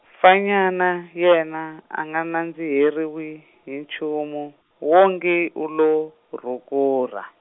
fanyana, yena a nga nandziheriwi, hi nchumu, wongi u lo, rhukurha.